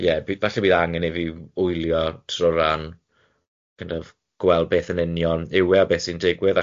ie, bu- falle bydd angen i fi wylio trwy ran kind of gweld beth yn union yw e a beth sy'n digwydd achos